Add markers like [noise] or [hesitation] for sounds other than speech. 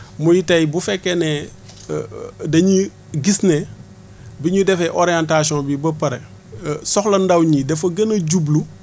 muy tay bu fekkee ne [hesitation] dañuy gis ne bi ñu defee orientation bi ba pare [hesitation] soxla ndaw ñi dafa gën a jublu